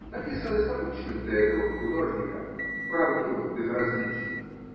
написаны с обычным для этого художника правдивым безразличием.